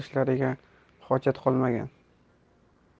himoya qilishlariga hojat qolmagan